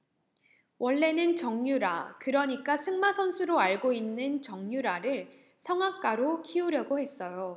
원래는 정유라 그러니까 승마 선수로 알고 있는 정유라를 성악가로 키우려고 했어요